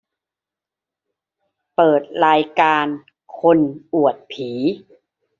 เปิดรายการคนอวดผี